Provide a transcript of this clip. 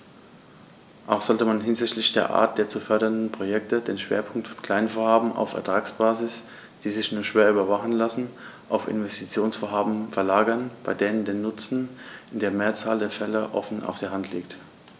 Auch sollte man hinsichtlich der Art der zu fördernden Projekte den Schwerpunkt von Kleinvorhaben auf Ertragsbasis, die sich nur schwer überwachen lassen, auf Investitionsvorhaben verlagern, bei denen der Nutzen in der Mehrzahl der Fälle offen auf der Hand liegt.